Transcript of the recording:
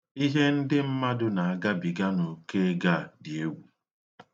Ihe ndị mmadụ na-agabiga ugbua dị egwu.